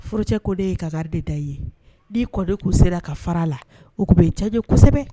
Furakɛjɛ ko de ye ka gari de da ye ni kɔden k'u sera ka fara la o tun bɛ ja kosɛbɛ